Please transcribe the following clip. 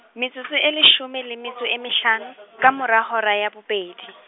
metsotso e leshome le metso e mehlano, ka mora hora ya bobedi.